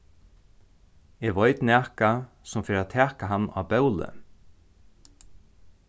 eg veit nakað sum fer at taka hann á bóli